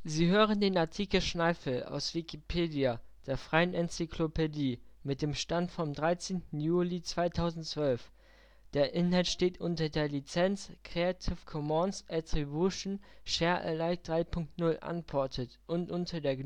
Sie hören den Artikel Schneifel, aus Wikipedia, der freien Enzyklopädie. Mit dem Stand vom Der Inhalt steht unter der Lizenz Creative Commons Attribution Share Alike 3 Punkt 0 Unported und unter der